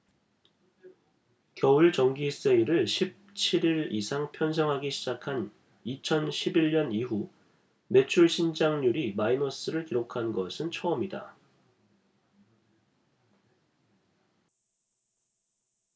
겨울 정기세일을 십 칠 일 이상 편성하기 시작한 이천 십 일 년 이후 매출신장률이 마이너스를 기록한 것은 처음이다